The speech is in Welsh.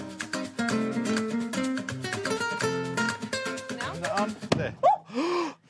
Yn iawn? Ww.